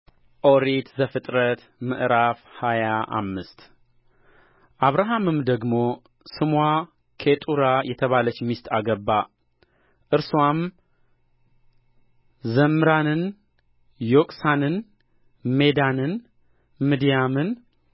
ኦሪት ዘፍጥረት ምዕራፍ ሃያ አምስት አብርሃምም ደግሞ ስምዋ ኬጡራ የተባላች ሚስት አገባ እርስዋም ዘምራንን ዮቅሳንን ሜዳንን ምድያምን